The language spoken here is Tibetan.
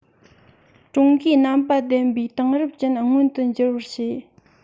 ཀྲུང གོའི རྣམ པ ལྡན པའི དེང རབས ཅན མངོན དུ འགྱུར བར བྱས